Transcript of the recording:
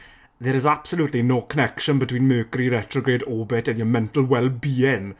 There is absolutely no connection between Mercury retrograde orbit and your mental well-being